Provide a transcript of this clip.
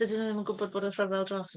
Dydyn nhw ddim yn gwbod bod y rhyfel droso-?